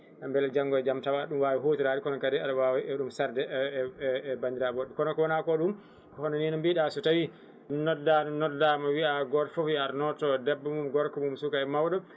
beele janggo e jaam tawa e ɗum wawi huterade kono kadi aɗa wawi e ɗum sarde e e bandiraɓe wodɓe kono ko wona ko ɗum hono ni no mbiɗa so tawi nodda noddama wiyama goto foof yo ar nooto debbo mum gorko mum suka e mawɗo